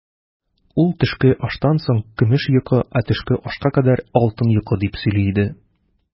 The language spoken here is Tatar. Ул, төшке аштан соң көмеш йокы, ә төшке ашка кадәр алтын йокы, дип сөйли иде.